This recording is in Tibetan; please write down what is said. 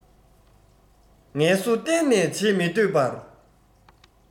ངལ གསོ གཏན ནས བྱེད མི འདོད པར